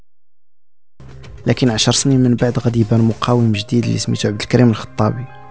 لكن عشر سنين من بعد غيبه المقاومه جديد الاسماك عبد الكريم الخطابي